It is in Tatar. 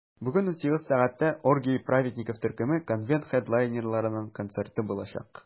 Бүген 18 сәгатьтә "Оргии праведников" төркеме - конвент хедлайнерларының концерты булачак.